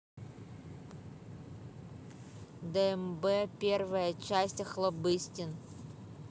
дмб первая часть охлобыстин